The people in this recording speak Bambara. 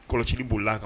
Kɔlɔsi b bolila a kan